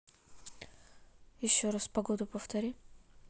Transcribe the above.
еще раз погоду повтори